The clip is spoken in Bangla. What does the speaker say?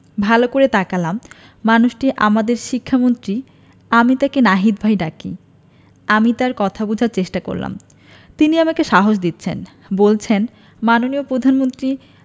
ভালো করে তাকালাম মানুষটি আমাদের শিক্ষামন্ত্রী আমি তাকে নাহিদ ভাই ডাকি আমি তার কথা বোঝার চেষ্টা করলাম তিনি আমাকে সাহস দিচ্ছেন বলছেন মাননীয় প্রধানমন্ত্রী